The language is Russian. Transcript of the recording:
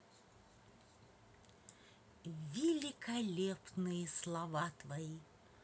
великолепные слова твои